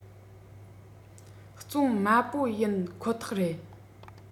བཙོང དམའ པོ ཡིན ཁོ ཐག རེད